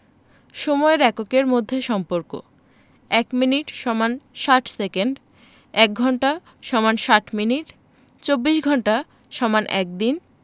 সময়ের এককের মধ্যে সম্পর্ক ১ মিনিট = ৬০ সেকেন্ড ১ঘন্টা = ৬০ মিনিট ২৪ ঘন্টা = ১ দিন